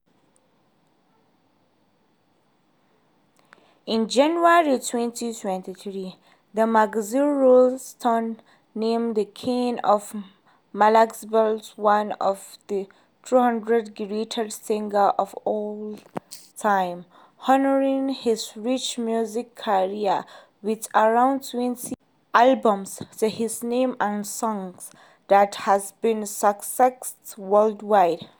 In January 2023, the magazine Rolling Stone named the king of Mbalax one of the 200 greatest singers of all time, honoring his rich musical career, with around twenty albums to his name and songs that have seen success worldwide.